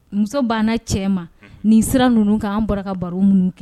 Muso banna cɛ ma nin sira ninnu kan anan bɔra ka baro minnu kɛ